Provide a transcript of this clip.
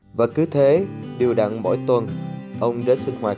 và cứ thế đều đặn mỗi tuần ông đến sinh hoạt